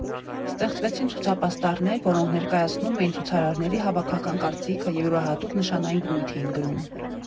Ստեղծվեցին ցուցապաստառներ, որոնք ներկայացնում էին ցուցարարների հավաքական կարծիքը և յուրահատուկ նշանային բնույթ էին կրում։